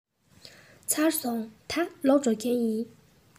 ཚར སོང ད ལོག འགྲོ མཁན ཡིན